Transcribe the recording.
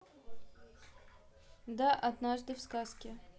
да однажды в сказке